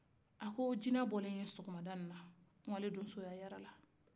a ko jinɛ bɔra ye sagomadanina n tagalen donsoya yalala